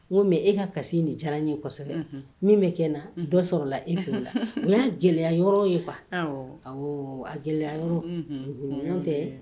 N mɛ e ka kasi ni diyara n ye kɔ kosɛbɛ min bɛ kɛ na dɔ sɔrɔla la e fɛ u y'a gɛlɛya yɔrɔ ye a gɛlɛya yɔrɔ dugu tɛ